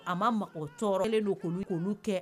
A ma maa o tɔɔrɔlen don k''olu kɛ